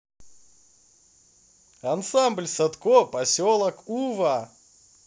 ансамбль садко поселок ува